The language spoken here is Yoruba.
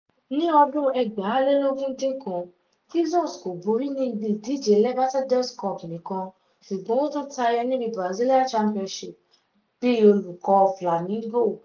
Ní ọdún 2019, Jesus kò borí níbi ìdíje Libertadores Cup nìkan, ṣùgbọ́n ó tún tayọ níbi Brazilian Championship bíi olùkọ́ Flamengo.